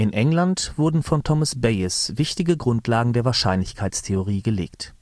England wurden von Thomas Bayes wichtige Grundlagen der Wahrscheinlichkeitstheorie gelegt